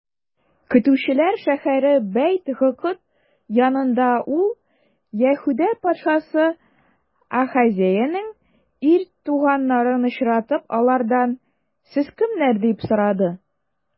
Көтүчеләр шәһәре Бәйт-Гыкыд янында ул, Яһүдә патшасы Ахазеянең ир туганнарын очратып, алардан: сез кемнәр? - дип сорады.